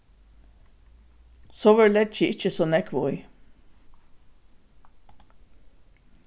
sovorðið leggi eg ikki so nógv í